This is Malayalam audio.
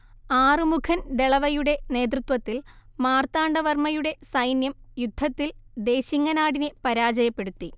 ആറുമുഖൻ ദളവയുടെ നേതൃത്വത്തിൽ മാർത്താണ്ഡവർമ്മയുടെ സൈന്യം യുദ്ധത്തിൽ ദേശിങ്ങനാടിനെ പരാജയപ്പെടുത്തി